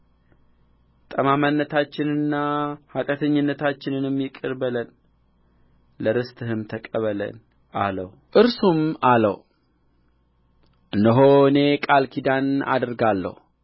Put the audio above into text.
ጠማማነታችንንና ኃጢአታችንንም ይቅር በለን ለርስትህም ተቀበለን አለ እርሱም አለው እነሆ እኔ ቃል ኪዳን አደርጋለሁ